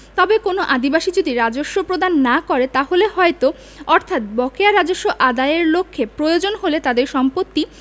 তবে কোনও আদিবাসী যদি রাজস্ব প্রদান না করে তাহলে হয়ত অর্থাৎ বকেয়া রাজস্ব আদাযের লক্ষে প্রয়োজন হলে তাদের সম্পত্তি